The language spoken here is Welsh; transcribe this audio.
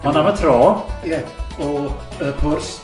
Na fo am y tro, ie o y pwrs.